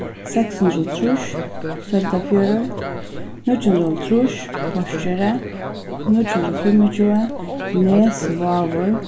seks hundrað og trýss søldarfjørður níggju hundrað og hálvtrýss porkeri níggju hundrað og fimmogtjúgu nes vágur